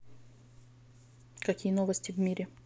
какие новости в мире